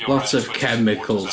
Lots of chemicals.